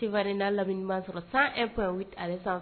Seri n'a lammina ɲuman sɔrɔ san e fɛsa